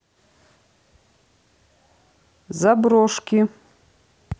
заброшки